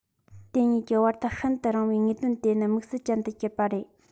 དེ གཉིས ཀྱི བར ཐག ཤིན ཏུ རིང བས དངོས དོན དེ ནི དམིགས བསལ ཅན དུ གྱུར པ རེད